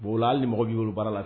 O lali mago bɛ olu baara la